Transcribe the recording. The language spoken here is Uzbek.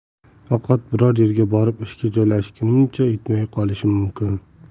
faqat biror yerga borib ishga joylashgunimcha yetmay qolishi mumkin